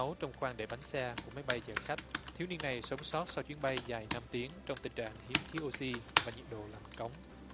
náu trong khoang để bánh xe của máy bay chở khách thiếu niên này sống sót sau chuyến bay dài năm tiếng trong tình trạng hiếm khí oxy và nhiệt độ lạnh cóng